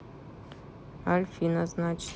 альфина значит